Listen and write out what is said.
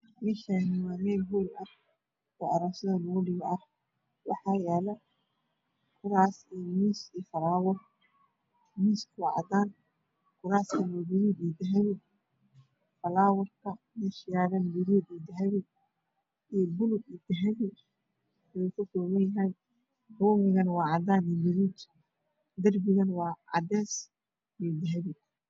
Meshani waa meel hol ah oo aroos yada lagu dhigto waxaa yala kuras iyo mis iyo falawar misku waacada kurastuna waa balug iyo dahabi falawadkana waa gaduud iyo dahabi bulug iyo dahabi rumigana waa cadan iyo gaduud derbigana waa cadees iyo dahabi